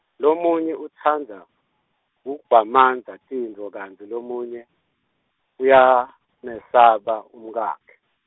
lomunye utsandza, kugwamandza tinfto kantsi lomunye, uyamesaba, umkakhe.